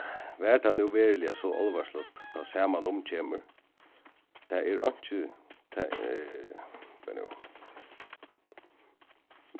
var tað nú veruliga so álvarsligt tá samanum kemur tað er einki bíða nú